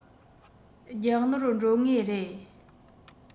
རྒྱག ནོར འགྲོ ངེས རེད